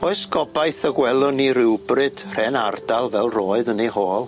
Oes gobaith y gwelwn ni ryw bryd rhên ardal fel roedd yn ei hôl?